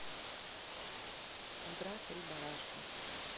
игра три барашка